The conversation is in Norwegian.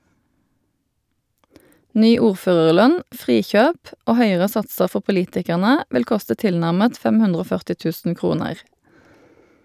Ny ordførerlønn, frikjøp og høyere satser for politikerne, vil koste tilnærmet 540 000 kroner.